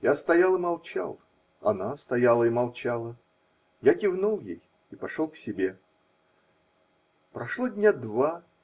Я стоял и молчал, она стояла и молчала. Я кивнул ей и пошел к себе. Прошло дня два.